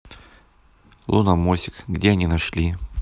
луномосик где они нашли